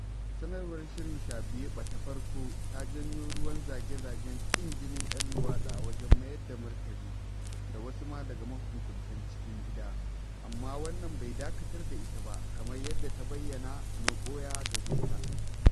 Sanarwar shirin Shabuyeɓa ta farko ta janyo ruwan zage-zagen ƙin jinin 'yan luwaɗi a wajen mayar da martani, da wasu ma daga mahukuntan cikin gida, amma wannan bai dakatar da ita ba, kamar yadda ta bayyanawa Noɓaya Gazeta.